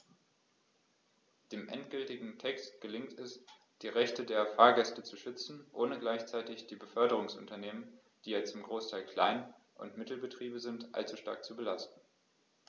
Dem endgültigen Text gelingt es, die Rechte der Fahrgäste zu schützen, ohne gleichzeitig die Beförderungsunternehmen - die ja zum Großteil Klein- und Mittelbetriebe sind - allzu stark zu belasten.